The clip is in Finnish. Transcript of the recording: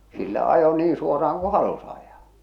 sillä ajoi niin suoraan kun halusi ajaa